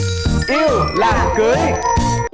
yêu là cưới